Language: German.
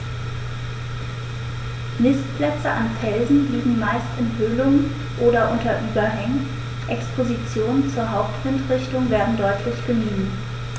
Nistplätze an Felsen liegen meist in Höhlungen oder unter Überhängen, Expositionen zur Hauptwindrichtung werden deutlich gemieden.